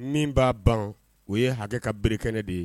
Min b'a ban o ye hakɛ ka berekɛ de ye